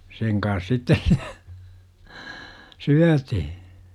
sen kanssa sitten - syötiin